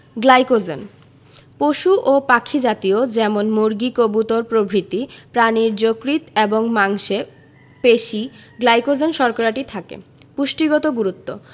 glycogen পশু ও পাখি জাতীয় যেমন মুরগি কবুতর প্রভৃতি প্রাণীর যকৃৎ এবং মাংসে পেশি গ্লাইকোজেন শর্করাটি থাকে পুষ্টিগত গুরুত্ব